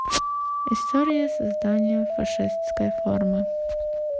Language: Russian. история создания фашистской формы